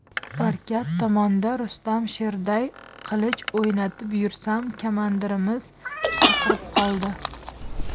parkat tomonda rustam sherday qilich o'ynatib yursam kamandirimiz chaqirib qoldi